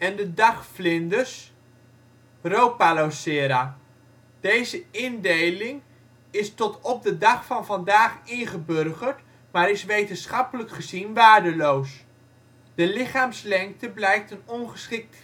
de dagvlinders (Rhopalocera). Deze indeling is tot op de dag van vandaag ingeburgerd maar is wetenschappelijk gezien waardeloos. De lichaamslengte blijkt een ongeschikt